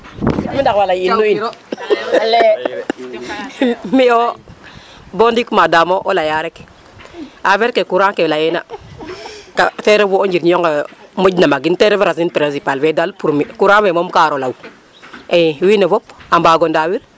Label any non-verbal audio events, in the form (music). (crosstalk) (laughs) Mi yo bo ndik maadaam o laya rek affaire ke courant ke layeena ka ten refu o njiriñ onqe moƴna magin ta ref racine principale fe daal pour mi courant fe moom ka war o law i wiin we fop a mbaago ndaawin.